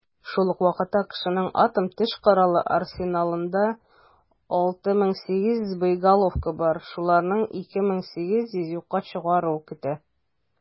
Шул ук вакытта АКШның атом төш коралы арсеналында 6,8 мең боеголовка бар, шуларны 2,8 меңе юкка чыгаруны көтә.